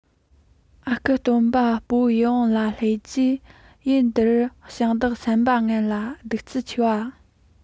ཨ ཁུ སྟོན པ སྤོ བོ ཡིད འོང ལ སླེབས རྗེས ཡུལ དེར ཞིང བདག བསམ པ ངན ལ གདུག རྩུབ ཆེ བ